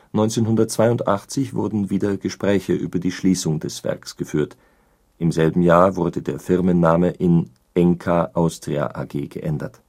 1982 wurden wieder Gespräche über die Schließung des Werks geführt, im selben Jahr wurde der Firmenname in Enka Austria AG geändert